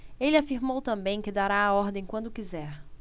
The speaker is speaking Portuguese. ele afirmou também que dará a ordem quando quiser